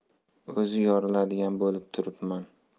o'zi yoriladigan bo'lib turibman